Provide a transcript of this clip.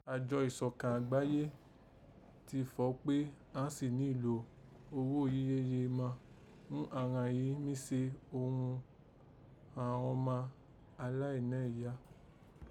Àjọ ìsọ̀kan agbaye ti fọ̀ọ́ kpé àán sì nílò oghó yìí yéye má ghún àghan yìí àán mí se ghún àghan ọma aláìnẹ́ iyá